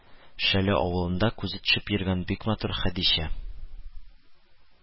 Шәле авылында күзе төшеп йөргән бик матур Хәдичә